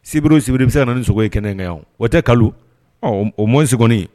Sibiuru sibirikisɛsa ni sogo ye kɛnɛgɛn wa tɛ kalo ɔ o mɔn sɛgɛngoni